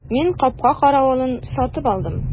Мин капка каравылын сатып алдым.